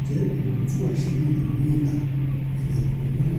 Ǹjẹ́ ìwọ tú àṣ̵írí ìwé àpilẹ̀kọ náà?